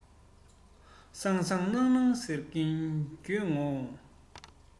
སང སང གནངས གནངས ཟེར གྱིན འགྱོད ཡོང ངོ